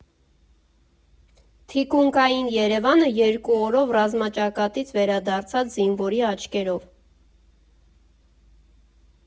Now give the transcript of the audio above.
Թիկունքային Երևանը՝ երկու օրով ռազմաճակատից վերադարձած զինվորի աչքերով։